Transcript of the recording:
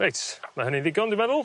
Reit ma' hynny'n ddigon dwi'n meddwl.